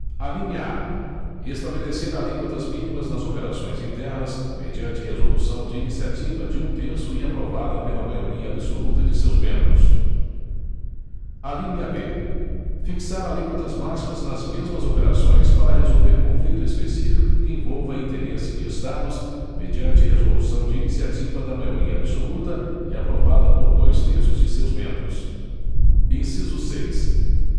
alínea a estabelecer alíquotas mínimas nas operações internas mediante resolução de iniciativa de um terço e aprovada pela maioria absoluta de seus membros alínea b fixar alíquotas máximas nas mesmas operações para resolver conflito específico que envolva interesse de estados mediante resolução de iniciativa da maioria absoluta e aprovada por dois terços de seus membros inciso seis